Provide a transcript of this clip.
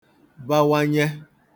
bawanye